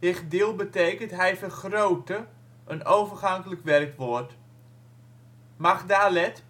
higdil betekent " hij vergrootte " (overgankelijk werkwoord) magdelet